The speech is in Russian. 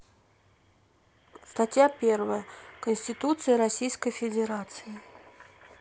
статья первая конституция российской федерации